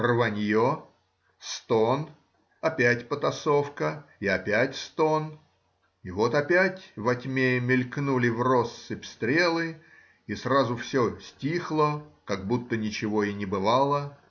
рванье, стон, опять потасовка, и опять стон, и вот опять во тьме мелькнули вроссыпь стрелы, и сразу все стихло, как будто ничего и не бывало.